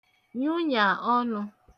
nyụnya ọnụ̄